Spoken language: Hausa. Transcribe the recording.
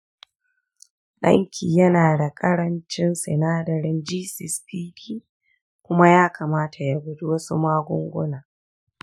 danki yana da ƙarancin sinadarin g6pd kuma ya kamata ya guji wasu magunguna.